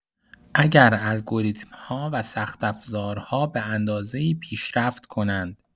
اگر الگوریتم‌ها و سخت‌افزارها به اندازه‌ای پیشرفت کنند.